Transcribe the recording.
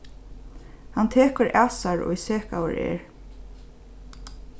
hann tekur at sær ið sekaður er